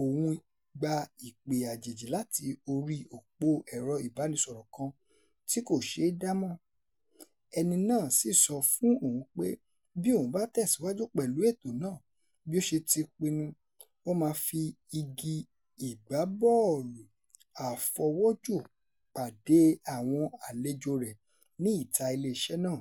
òun gba ìpè àjèjì láti orí òpó ẹ̀rọ-ìbánisọ̀rọ̀ kan tí kò ṣe é dámọ̀, ẹni náà sì sọ fún òun pé bí òun bá tẹ̀síwajú pẹ̀lú ètò náà bí ó ṣe ti pinnu, wọ́n máa fi igi ìgbábọ́ọ̀lù-afọwọ́jù pàdé àwọn àlejò rẹ ní ìta ilé-iṣẹ́ náà.